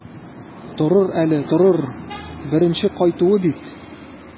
Торыр әле, торыр, беренче кайтуы бит.